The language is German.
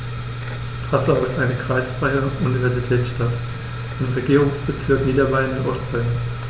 Passau ist eine kreisfreie Universitätsstadt im Regierungsbezirk Niederbayern in Ostbayern.